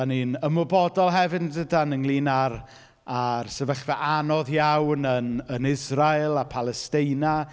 Dan ni'n ymwybodol hefyd, yn dydan, ynglŷn â'r â'r sefyllfa anodd iawn yn yn Israel a Palestina.